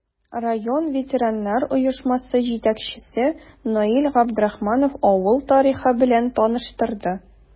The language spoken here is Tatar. Район ветераннар оешмасы җитәкчесе Наил Габдрахманов авыл тарихы белән таныштырды.